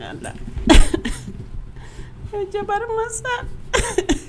Ɛ Ala e jabaru mansa